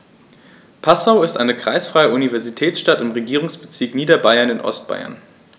Passau ist eine kreisfreie Universitätsstadt im Regierungsbezirk Niederbayern in Ostbayern.